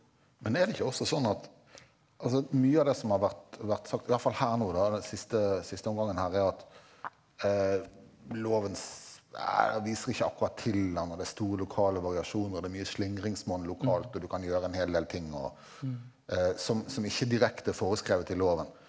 men er det ikke også sånn at altså mye av det som har vært vært sagt i hvert fall her nå da den siste siste omgangen her er at lovens viser ikke akkurat til han og det er store lokale variasjoner og det er mye slingringsmonn lokalt og du kan gjøre en hel del ting og som som ikke direkte er foreskrevet i loven.